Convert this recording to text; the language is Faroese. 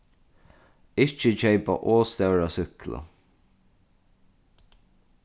ikki keypa ov stóra súkklu